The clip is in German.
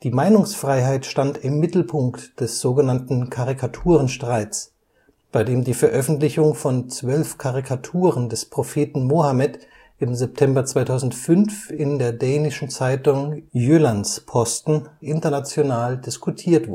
Meinungsfreiheit stand im Mittelpunkt des sogenannten „ Karikaturenstreits “, bei dem die Veröffentlichung von 12 Karikaturen des Propheten Mohammed im September 2005 in der dänischen Zeitung Jyllands-Posten international diskutiert